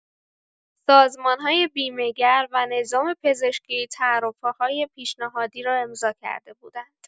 سازمان‌های بیمه‌گر و نظام پزشکی تعرفه‌های پیشنهادی را امضا کرده بودند.